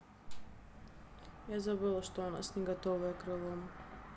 я забыла что у нас не готовое крыло